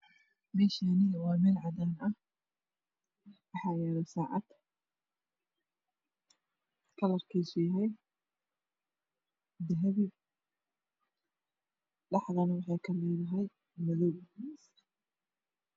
Meshaani waa meel cadan ah waxaa yala sacad kalr kiisu yahay dahabi shexdana wexeey ka leedahay madow